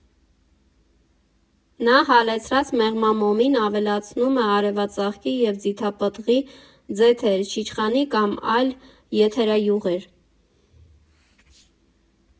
Նա հալեցրած մեղմամոմին ավելացնում է արևածաղկի և ձիթապտղի ձեթեր, չիչխանի կամ այլ եթերայուղեր։